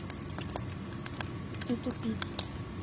ты тупица